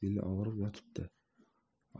beli og'rib yotibdi